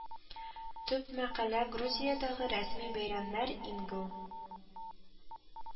Төп мәкалә Грузиядагы рәсми бәйрәмнәр ингл